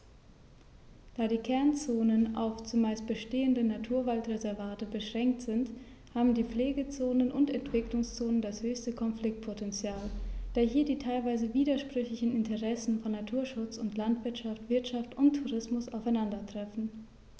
Da die Kernzonen auf – zumeist bestehende – Naturwaldreservate beschränkt sind, haben die Pflegezonen und Entwicklungszonen das höchste Konfliktpotential, da hier die teilweise widersprüchlichen Interessen von Naturschutz und Landwirtschaft, Wirtschaft und Tourismus aufeinandertreffen.